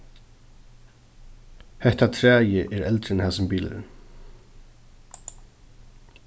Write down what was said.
hetta træið er eldri enn hasin bilurin